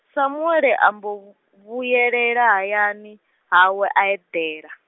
Samuele ambo, v- vhuelela hayani, hawe a eḓela.